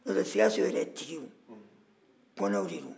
notɛ sikaso yɛrɛ tigiw kɔnɛw de don